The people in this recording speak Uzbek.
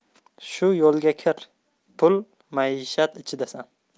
shu yo'lga kir pul maishat ichidasan